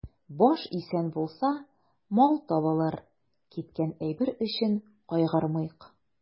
Баш исән булса, мал табылыр, киткән әйбер өчен кайгырмыйк.